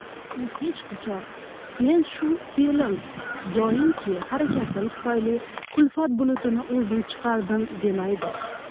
u hech qachon men shu fe'lim yoinki harakatim tufayli kulfat bulutini o'zim chaqirdim demaydi